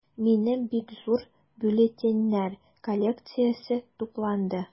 Минем бик зур бюллетеньнәр коллекциясе тупланды.